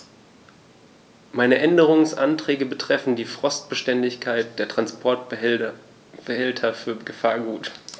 Meine Änderungsanträge betreffen die Frostbeständigkeit der Transportbehälter für Gefahrgut.